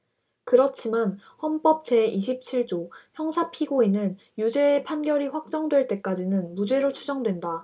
그렇지만 헌법 제 이십 칠 조 형사피고인은 유죄의 판결이 확정될 때까지는 무죄로 추정된다